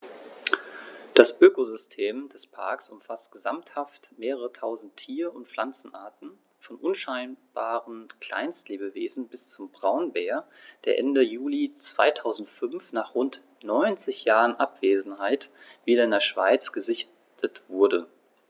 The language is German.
Das Ökosystem des Parks umfasst gesamthaft mehrere tausend Tier- und Pflanzenarten, von unscheinbaren Kleinstlebewesen bis zum Braunbär, der Ende Juli 2005, nach rund 90 Jahren Abwesenheit, wieder in der Schweiz gesichtet wurde.